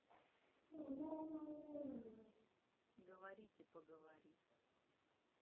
говорите поговори